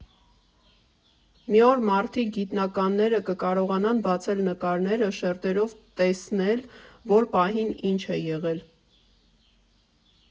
Մի օր մարդիկ, գիտնականները, կկարողանան բացել նկարները շերտերով, տեսնել՝ որ պահին ինչ է եղել։